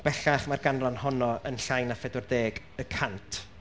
ond bellach mae'r ganran honno yn llai na phedwar deg y cant